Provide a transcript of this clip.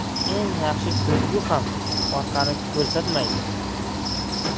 eng yaxshi ko'zgu ham orqani ko'rsatmaydi